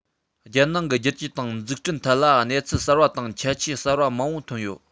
རྒྱལ ནང གི བསྒྱུར བཅོས དང འཛུགས སྐྲུན ཐད ལ གནས ཚུལ གསར པ དང ཁྱད ཆོས གསར པ མང པོ ཐོན ཡོད